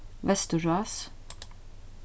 vesturrás